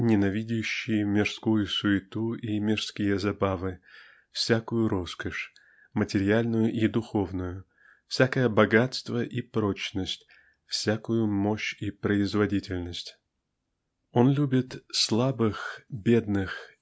ненавидящий мирскую суету и мирские забавы всякую роскошь материальную и духовную всякое богатство и прочность всякую мощь и производительность. Он любит слабых бедных